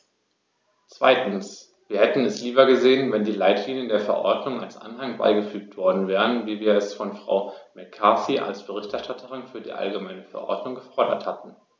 Zweitens: Wir hätten es lieber gesehen, wenn die Leitlinien der Verordnung als Anhang beigefügt worden wären, wie wir es von Frau McCarthy als Berichterstatterin für die allgemeine Verordnung gefordert hatten.